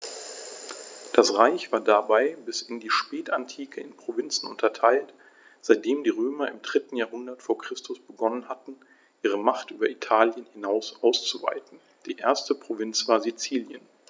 Das Reich war dabei bis in die Spätantike in Provinzen unterteilt, seitdem die Römer im 3. Jahrhundert vor Christus begonnen hatten, ihre Macht über Italien hinaus auszuweiten (die erste Provinz war Sizilien).